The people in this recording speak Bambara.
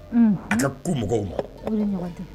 Ko mɔgɔw